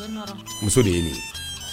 Muso de ye